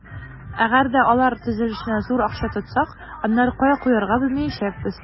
Әгәр дә алар төзелешенә зур акча тотсак, аннары кая куярга белмәячәкбез.